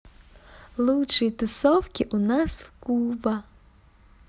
лучшие тусовки у нас куба